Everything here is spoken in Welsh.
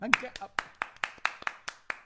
Ma'n ga- o!